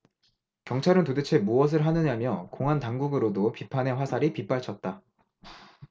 경찰은 도대체 무엇을 하느냐며 공안당국으로도 비판의 화살이 빗발쳤다